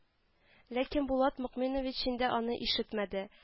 Ләкин Булат Мөэминович инде аны ишетмәде